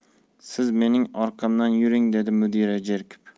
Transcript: siz mening orqamdan yuring dedi mudira jerkib